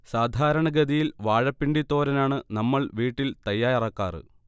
സാധാരണഗതിയിൽ വാഴപ്പിണ്ടി തോരനാണ് നമ്മൾ വീട്ടിൽ തയ്യാറാക്കാറ്